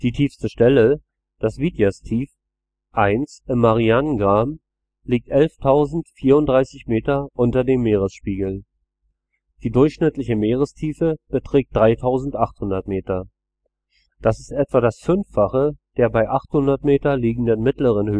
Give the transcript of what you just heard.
tiefste Stelle, das Witjastief 1 im Marianengraben, liegt 11.034 m unter dem Meeresspiegel. Die durchschnittliche Meerestiefe beträgt 3.800 m. Das ist etwa das Fünffache der bei 800 m liegenden mittleren